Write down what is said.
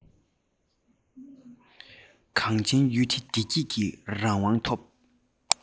གངས ཅན ཡུལ དུ བདེ སྐྱིད ཀྱི རང དབང ཐོབ